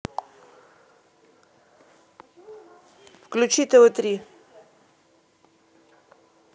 включи тв три